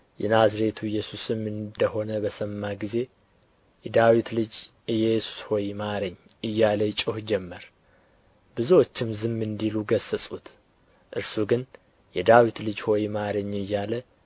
የናዝሬቱ ኢየሱስም እንደ ሆነ በሰማ ጊዜ የዳዊት ልጅ ኢየሱስ ሆይ ማረኝ እያለ ይጮኽ ጀመር ብዙዎችም ዝም እንዲል ገሠጹት እርሱ ግን የዳዊት ልጅ ሆይ ማረኝ እያለ